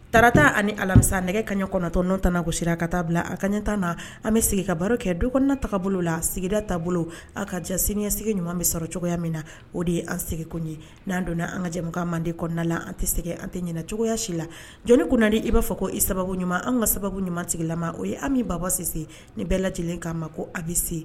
Tata ani alamisa nɛgɛ kaɲɛ kɔnɔntɔn n' ta kosira a ka taa bila a ka ɲɛ tan na an bɛ sigi ka baro kɛ do kɔnɔnataa bolo la sigida taabolo bolo a ka jan sini sigi ɲuman bɛ sɔrɔ cogoya min na o de ye an seginkun ye n'an donna an ka jɛmu ka manden kɔnɔna la an tɛ segin an tɛ ɲɛnacogoya si lani kunnanadi i b'a fɔ ko i sababu ɲumanuma an ka sababu ɲumanla o ye an min babasese ni bɛɛ lajɛlen k'a ma ko a bɛ se